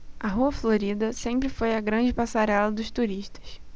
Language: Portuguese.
a rua florida sempre foi a grande passarela dos turistas